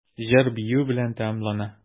Җыр-бию белән тәмамлана.